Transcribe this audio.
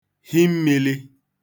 hi mmīlī